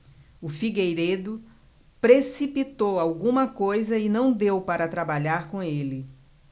o figueiredo precipitou alguma coisa e não deu para trabalhar com ele